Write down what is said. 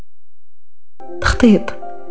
تخطيط